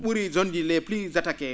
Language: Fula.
?uri zone ji les plus attaqué